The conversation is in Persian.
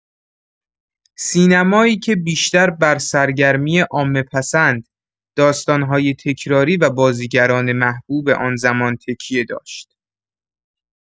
سینمایی که بیشتر بر سرگرمی عامه‌پسند، داستان‌های تکراری و بازیگران محبوب آن‌زمان تکیه داشت.